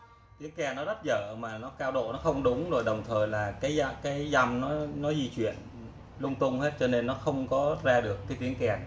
tiếng kèn rất tệ cao độ không đúng mà đồng thời cái reed nó dao động lung tung cho nên nó không ra được tiếng kèn saxophone